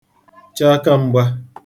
che (aka) m̄gbā